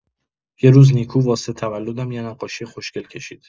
یه روز نیکو واسه تولدم یه نقاشی خوشگل کشید.